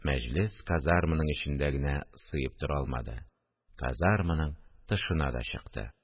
Мәҗлес казарманың эчендә генә сыеп тора алмады, казарманың тышына да чыкты